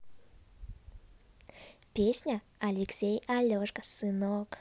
песня алексей алешенька сынок